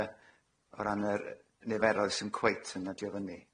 yy o ran yr yy niferoedd sy'm cweit yn adio'i fyny.